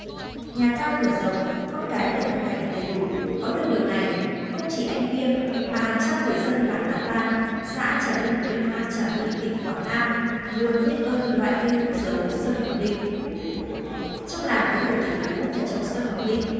nhà cao cửa rộng con cái được học hành đầy đủ có được điều này không chỉ anh viêm mà hàng trăm người dân làng tắc lan xã trà linh huyện nam trà my tỉnh quảng nam luôn biết ơn loại cây thuốc dấu sâm ngọc linh trong làng có nhiều tỷ phú nhờ trồng sâm ngọc linh